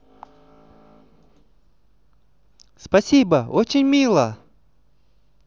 спасибо очень мило